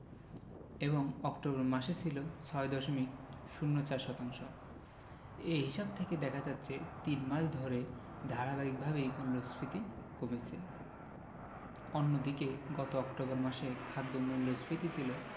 এবং অক্টোবর মাসে ছিল ৬ দশমিক ০৪ শতাংশ এ হিসাব থেকে দেখা যাচ্ছে তিন মাস ধরে ধারাবাহিকভাবেই মূল্যস্ফীতি কমেছে অন্যদিকে গত অক্টোবর মাসে খাদ্য মূল্যস্ফীতি ছিল